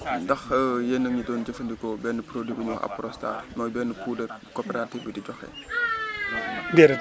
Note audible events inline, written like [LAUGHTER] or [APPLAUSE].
[CROSSTALK] ndax [HESITATION] yéen a ngi doon jëfandikoo benn produit bu ñuy wax Aprostar mooy benn puudar coopérative bi di joxe [NOISE]